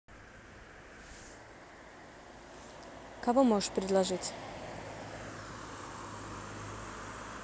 кого можешь предложить